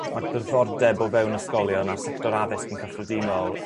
ma'r diddordeb o fewn ysgolion a'r sector addysg yn cyffredinol